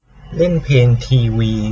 เล่นเพลงทีวี